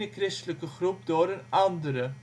christelijke groep door een andere